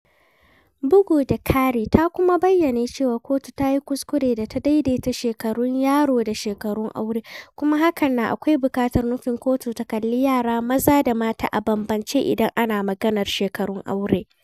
Bugu da ƙari, ta kuma bayyana cewa kotu ta yi kuskure da ta "daidaita shekarun yaro da shekarun aure" kuma hakan na akwai buƙatar nufin kotu ta kalli yara maza da mata a bambamce idan ana maganar shekarun aure.